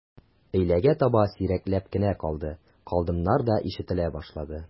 Өйләгә таба сирәкләп кенә «калды», «калдым»нар да ишетелә башлады.